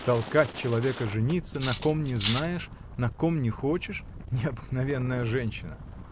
— Толкать человека жениться, на ком не знаешь, на ком не хочешь: необыкновенная женщина!